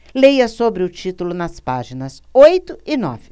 leia sobre o título nas páginas oito e nove